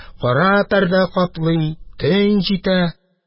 Кара пәрдә каплый, төн җитә